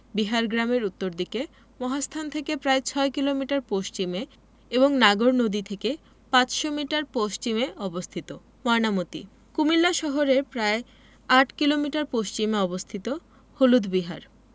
বিহার গ্রামের উত্তর দিকে মহাস্থান থেকে প্রায় ৬ কিলোমিটার পশ্চিমে এবং নাগর নদী থেকে ৫০০ মিটার পশ্চিমে অবস্থিত ময়নামতি কুমিল্লা শহরের প্রায় ৮ কিলোমিটার পশ্চিমে অবস্থিত হলুদ বিহার